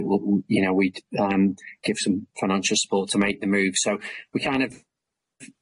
that we'll you know we'd um give some financial support to make the move so we kind of,